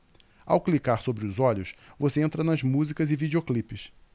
ao clicar sobre os olhos você entra nas músicas e videoclipes